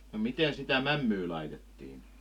no miten sitä mämmiä laitettiin